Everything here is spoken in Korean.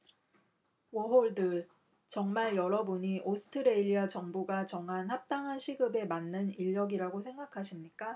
워홀들 정말 여러분이 오스트레일리아 정부가 정한 합당한 시급에 맞는 인력이라고 생각하십니까